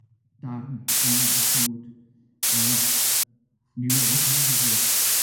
gan Machmwd yy mi welais i hefyd